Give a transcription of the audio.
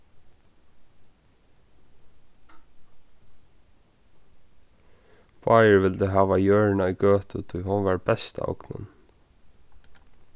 báðir vildu hava jørðina í gøtu tí hon var besta ognin